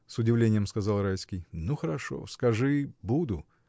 — с удивлением сказал Райский, — ну хорошо, скажи — буду.